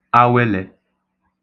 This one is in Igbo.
Awelē